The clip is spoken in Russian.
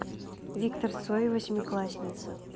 виктор цой восьмиклассница